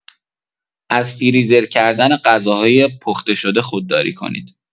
از فریزر کردن غذاهای پخته‌شده خودداری کنید.